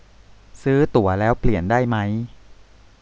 ซื้อตั๋วแล้วเปลี่ยนได้มั้ย